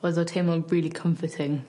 oedd o teimlo rili comforting